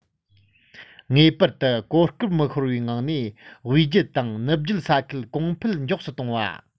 ངེས པར དུ གོ སྐབས མི ཤོར བའི ངང ནས དབུས རྒྱུད དང ནུབ རྒྱུད ས ཁུལ གོང འཕེལ མགྱོགས སུ གཏོང བ